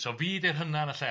So fi di'r hyna'n y lle ma